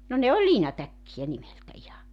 no ne oli liinatäkkejä nimeltä ihan